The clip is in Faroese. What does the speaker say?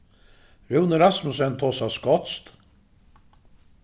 rúni rasmussen tosar skotskt